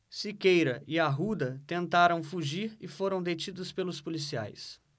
siqueira e arruda tentaram fugir e foram detidos pelos policiais